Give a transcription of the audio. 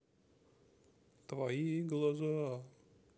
твои глаза